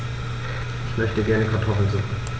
Ich möchte gerne Kartoffelsuppe.